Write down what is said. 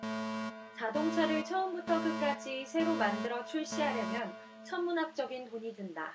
자동차를 처음부터 끝까지 새로 만들어 출시하려면 천문학적인 돈이 든다